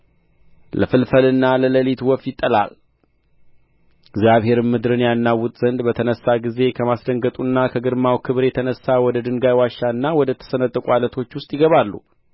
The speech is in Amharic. ለፍልፈልና ለሌሊት ወፍ ይጥላል እግዚአብሔርም ምድርን ያናውጥ ዘንድ በተነሣ ጊዜ ከማስደንገጡና ከግርማው ክብር የተነሣ ወደ ድንጋይ ዋሻና ወደ ተሰነጠቁ ዓለቶች ውስጥ ይገባሉ